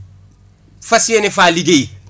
fas yéene faa liggéey